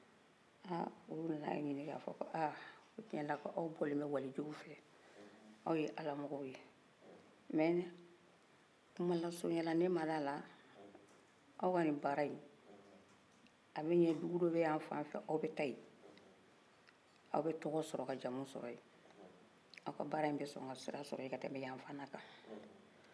ŋ aw ye ala mɔgɔw ye kuma la suruya la ne ma daala baara in bɛ yan dugu dɔ bɛ yan fanfɛ aw bɛ taa ye aw bɛ togɔw sɔrɔ ka jaama sɔrɔ ye aw ka baara in bɛ sɔ ka sira sɔrɔ ye ka tɛmɛ yan fan kan